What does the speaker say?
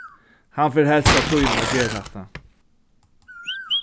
hann fer helst at tíma at gera hatta